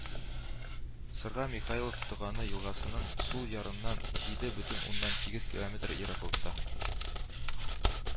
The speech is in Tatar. Сырга Михайлов тоганы елгасының сул ярыннан җиде бөтен уннан сигез километр ераклыкта